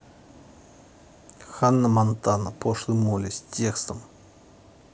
ханна монтана пошлой молли с текстом